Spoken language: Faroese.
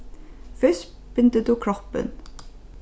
fyrst bindur tú kroppin